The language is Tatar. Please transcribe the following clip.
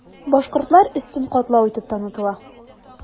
Башкортлар өстен катлау итеп танытыла.